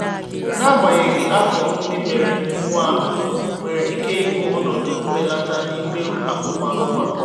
N'agbanyeghị, afọ ndị mere mpụ ahụ nwere ike ịbụ "ọnọdụ mbelata" n'ikpe ụmụakwụkwọ a.